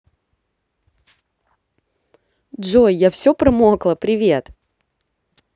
джой я все промокло привет